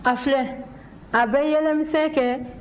a filɛ a bɛ yɛlɛmisɛn kɛ